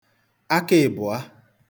akaịbụa